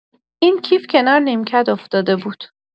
این کیف کنار نیمکت افتاده بود؟